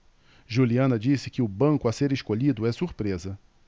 juliana disse que o banco a ser escolhido é surpresa